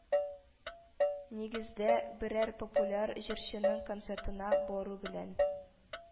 Нигездә, берәр популяр җырчының концертына бару белән